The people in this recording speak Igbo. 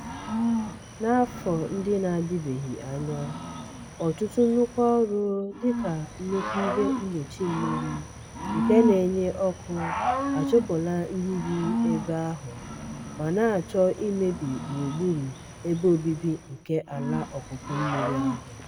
N'afọ ndị na-adịbeghị anya, ọtụtụ nnukwu ọrụ dịka nnukwu ihe mgbochi mmiri nke na-enye ọkụ achụpụla ndị bi ebe ahụ ma na-achọ imebi gburugburu ebe obibi nke ala ọpụpụ mmiri ahụ.